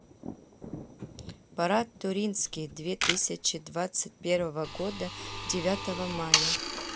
парад туринский две тысячи двадцать первого года девятого мая